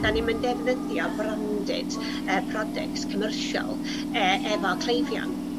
'Dan ni'm yn ddefnyddio branded yy products commercial yy efo cleifion.